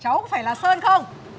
cháu có phải là sơn không